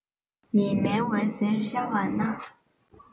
ཉི མའི འོད ཟེར ཤར བ ན